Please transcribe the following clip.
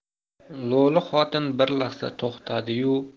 lo'li xotin bir lahza to'xtadi yu